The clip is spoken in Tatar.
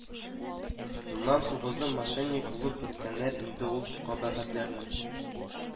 Уннан тугызы мошенник булып беткәннәр инде ул кабахәтләрнең